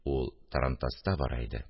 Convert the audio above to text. (ул тарантаста бара иде)